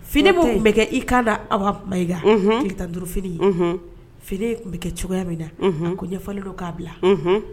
Fini bɛ tun bɛ kɛ i kan da awba ika taa duuruf ye fini tun bɛ kɛ cogoya min na ko ɲɛfɔlila k'a bila